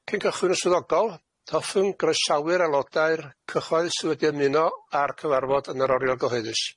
Cyn cychwyn y swyddogol, hoffwn groesawu'r aelodau'r cyhoedd sydd wedi ymuno â'r cyfarfod yn yr oriel gyhoeddus.